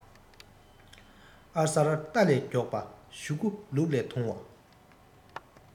ཨ གསར རྟ ལས མགྱོགས པ ཞུ གུ ལུག ལས ཐུང བ